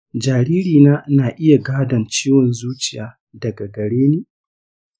jaririna na iya gadon ciwon zuciya daga gare ni?